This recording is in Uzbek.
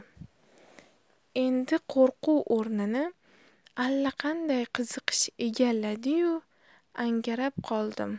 endi qo'rquv o'rnini allaqanday qiziqish egalladiyu angrayib qoldim